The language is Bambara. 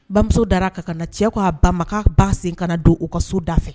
Bamuso dara ka ka na cɛ ko' a ban ba sen ka don u ka soda fɛ